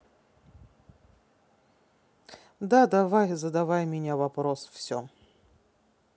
да давай задавай меня вопрос все